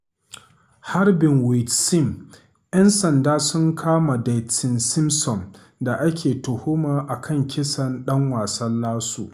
Harbin Wayde Sims ‘Yan sanda sun kama Dyteon Simpson da ake tuhuma a kan kisan ɗan wasan LSU.